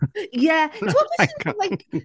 Ie, ti'n gwybod be sy'n like...